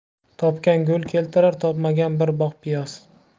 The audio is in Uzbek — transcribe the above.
topgan gul keltirar topmagan bir bog' piyoz